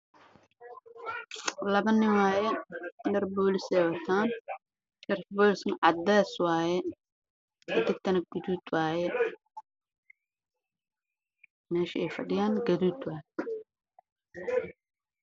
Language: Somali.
Waa laba nin oo wataan dhar boolis caddaan ah